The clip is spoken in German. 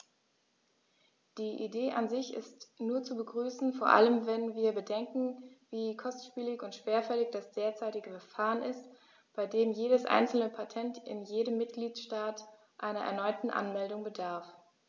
Die Idee an sich ist nur zu begrüßen, vor allem wenn wir bedenken, wie kostspielig und schwerfällig das derzeitige Verfahren ist, bei dem jedes einzelne Patent in jedem Mitgliedstaat einer erneuten Anmeldung bedarf.